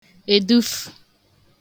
èdufù